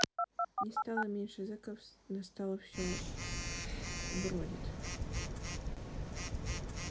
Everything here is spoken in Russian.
не стало меньше зеков настало все бродят